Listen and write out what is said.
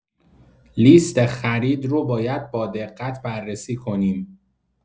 لیست خرید رو باید با دقت بررسی کنیم.